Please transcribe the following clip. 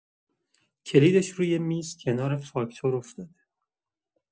کلیدش روی میز کنار فاکتور افتاده.